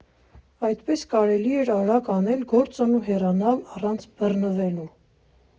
Այդպես կարելի էր արագ անել գործն ու հեռանալ առանց բռնվելու։